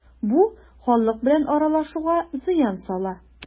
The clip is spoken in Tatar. Бу халык белән аралашуга зыян сала.